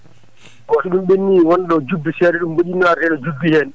eeyi so ɗum ɓennii wonɗo jubbi seeɗa ɗum mbiɗa yitnoo arde juubi heen